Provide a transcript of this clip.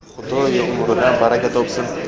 xudoyo umridan baraka topsin